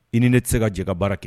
I ni ne tɛ se ka ja baara kɛ